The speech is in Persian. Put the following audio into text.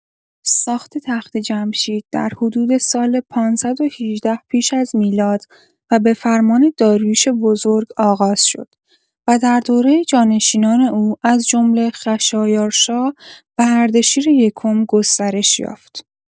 ساخت تخت‌جمشید در حدود سال ۵۱۸ پیش از میلاد و به‌فرمان داریوش بزرگ آغاز شد و در دوره جانشینان او، از جمله خشایارشا و اردشیر یکم، گسترش یافت.